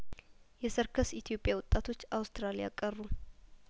የሰርከስ ኢትዮጵያወጣቶች አውስትራሊያቀሩ